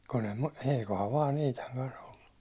kun en minä eiköhän vain Iitan kanssa ollut